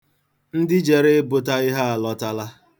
Ndị jere ịbụta ihe alọtala.